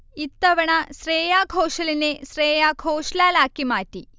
ഇത്തവണ ശ്രേയാ ഘോഷലിനെ ശ്രേയാ ഘോഷ്ലാലാക്കി മാറ്റി